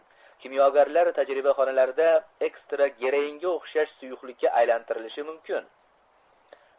kimyogarlik tajribaxonalarida ekstra geroinga o'xshash suyuqlikka aylantirilishi mumkin